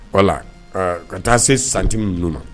Wala la ka taa se santilu ma